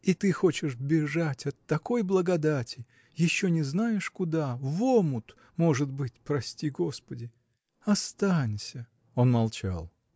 И ты хочешь бежать от такой благодати еще не знаешь куда в омут может быть прости господи. Останься! Он молчал.